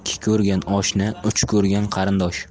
ko'rgan oshna uch ko'rgan qarindosh